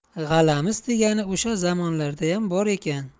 g'alamis degani o'sha zamonlardayam bor ekan